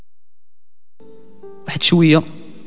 بعد شويه